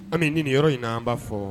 Ami ni nin yɔrɔ in na an b'a fɔɔ